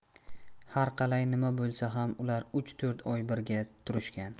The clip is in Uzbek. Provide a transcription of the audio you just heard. har qalay nima bo'lsa ham ular uch to'rt oy birga turishgan